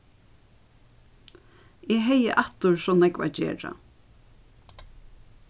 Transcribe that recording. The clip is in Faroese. eg hevði aftur so nógv at gera